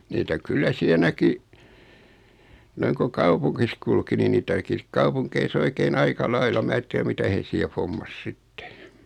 niitä kyllä siellä näki noin kun kaupungissa kulki niin niitä näki sitten kaupungeissa oikein aika lailla minä sitä tiedä mitä he siellä hommasi sitten